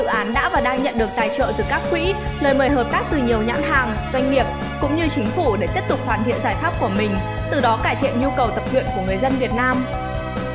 dự án đã và đang nhận được tài trợ từ các quỹ lời mời hợp tác từ nhiều nhãn hàng doanh nghiệp cũng như chính phủ để tiếp tục hoàn thiện giải pháp của mình từ đó cải thiện nhu cầu tập luyện của người dân việt nam